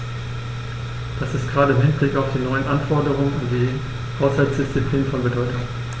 Dies ist gerade im Hinblick auf die neuen Anforderungen an die Haushaltsdisziplin von Bedeutung.